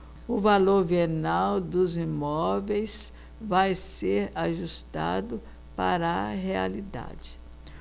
o valor venal dos imóveis vai ser ajustado para a realidade